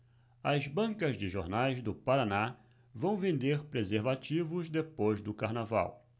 as bancas de jornais do paraná vão vender preservativos depois do carnaval